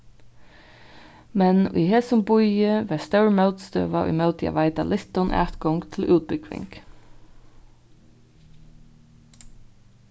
men í hesum býi var stór mótstøða ímóti at veita littum atgongd til útbúgving